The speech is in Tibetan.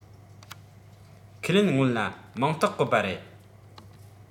ཁས ལེན སྔོན ལ མིང རྟགས བཀོད པ རེད